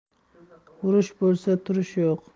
urush bo'lsa turish yo'q